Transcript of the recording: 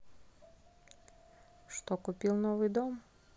что купил новый дом